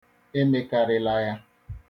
Emekarịla ya.